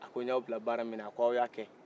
a ko n y'aw bila baara min na ako aw y'a kɛ